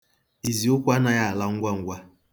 Iziụkwụ anaghị ala ngwa ngwa.